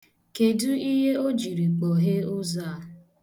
Kedu ihe o jiri kpọghe ụzọ a?